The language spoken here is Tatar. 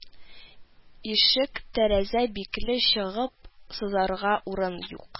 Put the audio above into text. Ишек-тәрәзә бикле, чыгып сызарга урын юк